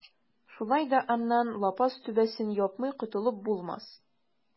Шулай да аннан лапас түбәсен япмый котылып булмас.